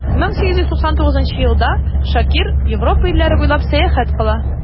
1899 елда шакир европа илләре буйлап сәяхәт кыла.